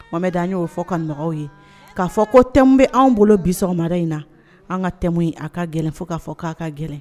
Mamɛdi an ɲ'o fɔ kanubagaw ye k'a fɔ ko thème bɛ anw bolo bi sɔgɔmada in na an' ka thème a ka gɛlɛn fo k'a fɔ k'a ka gɛlɛn